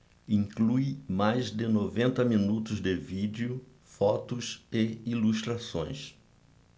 inclui mais de noventa minutos de vídeo fotos e ilustrações